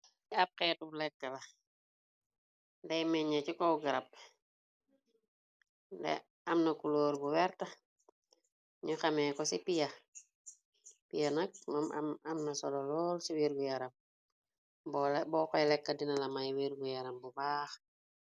Ci ab xeetu b lekk la dey meñee ci kow garab te amna ku lóor bu werta ñu xamee ko ci piyanak moom amna solo lool ci wiir gu yaram bo koy lekk dina lamay wiir gu yaram bu baah.